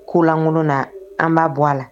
K' lankolon na an b'a bɔ a la